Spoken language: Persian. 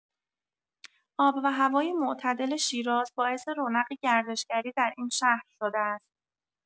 آب و هوای معتدل شیراز باعث رونق گردشگری در این شهر شده است.